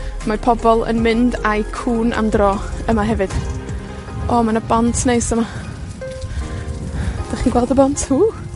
Mae pobl yn mynd a'u cŵn am dro yma hefyd, o, ma' 'na bont neis yma. 'Dach chi gweld y bont? W!